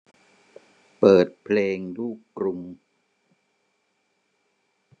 เปิดเพลงลูกกรุง